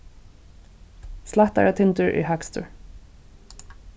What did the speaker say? slættaratindur er hægstur